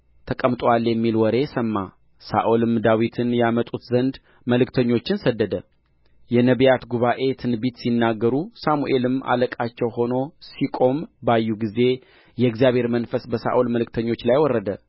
ተቀምጦአል የሚል ወሬ ሰማ ሳኦልም ዳዊትን ያመጡት ዘንድ መልእክተኞችን ሰደደ የነቢያት ጉባኤ ትንቢት ሲናገሩ ሳሙኤልም አለቃቸው ሆኖ ሲቆም ባዩ ጊዜ የእግዚአብሔር መንፈስ በሳኦል መልእክተኞች ላይ ወረደ